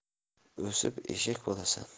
o'sib eshak bo'lasan